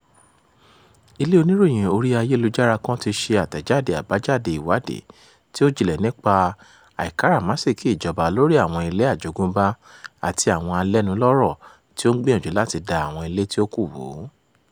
Ilé oníròyìn orí-ayélujára kan ti ṣe àtẹ̀jáde àbájáde ìwádìí tí ó jinlẹ̀ nípa àìkáràmáìsìkí ìjọba lóríi àwọn ilé àjogúnbá àti àwọn alẹ́nulọ́rọ̀ tí ó ń gbìyànjú láti da àwọn ilé tí ó kù wó: